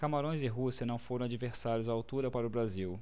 camarões e rússia não foram adversários à altura para o brasil